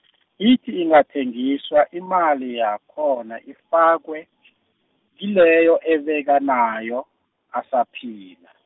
ithi ingathengiswa imali yakhona ifakwe , kileyo abekanayo, asaphila.